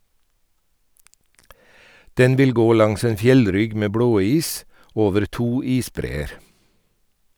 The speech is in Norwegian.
Den vil gå langs en fjellrygg med blåis, over to isbreer.